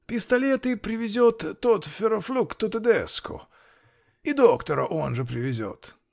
-- Пистолеты привезет тот феррофлукто тедеско. И доктора он же привезет.